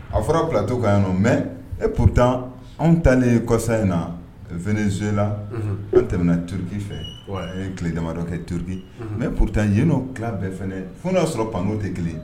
A fɔra ptu ka yan mɛ e p anw ta ni kɔsa in na f zela an tɛmɛna tuuruki fɛ tile damamadɔ kɛ tuuruki mɛ p yeno ki bɛɛ fana fo y'a sɔrɔ pan'o tɛ kelen